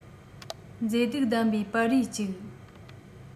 མཛེས སྡུག ལྡན པའི པར རིས ཅིག